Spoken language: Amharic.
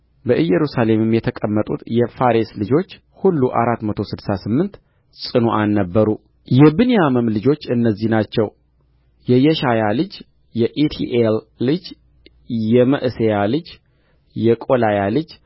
በኢየሩሳሌም የተቀመጡት የፋሬስ ልጆች ሁሉ አራት መቶ ስድሳ ስምንት ጽኑዓን ነበሩ የብንያምም ልጆች እነዚህ ናቸው የየሻያ ልጅ የኢቲኤል ልጅ የመዕሤያ ልጅ የቆላያ ልጅ